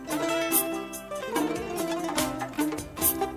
San